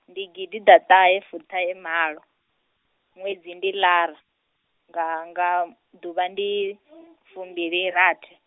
ndi gidiḓaṱahefuṱahemalo, ṅwedzi ndi lara, nga nga, ḓuvha ndi , fumbilirathi.